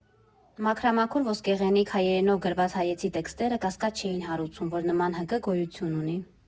Մաքրամաքուր ոսկեղենիկ հայերենով գրված հայեցի տեքստերը կասկած չէին հարուցում, որ նման ՀԿ գոյություն ունի։